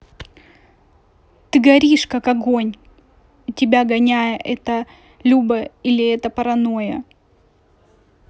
ты горишь как огонь у тебя гоняя это любо или это паранойя